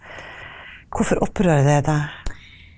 hvorfor opprører det deg?